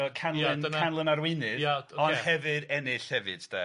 Fel canlyn canlyn arweinydd. Ia ocê. Ond hefyd ennill hefyd de.